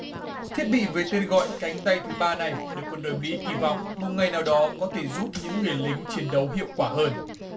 thiết bị với tên gọi cánh tay thứ ba này được quân đội mỹ kỳ vọng một ngày nào đó có thể giúp những người lính chiến đấu hiệu quả hơn